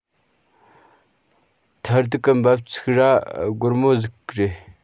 མཐར ཐུག གི འབབ ཚིགས ར སྒོར མོ ཟིག རེད